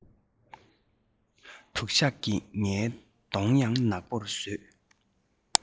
དུ ཞགས ཀྱིས ངའི གདོང ཡང ནག པོར བཟོས